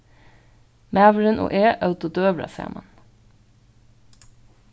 maðurin og eg ótu døgurða saman